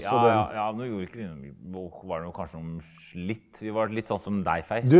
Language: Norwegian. ja ja ja nå gjorde jo ikke vi noe var noe kanskje noe litt vi var litt sånn som deg face.